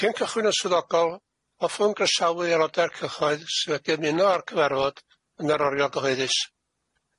Cyn cychwyn yn swyddogol, hoffwn groesawu aelodau'r cyhoedd sydd wedi ymuno â'r cyfarfod yn yr oriel gyhoeddus.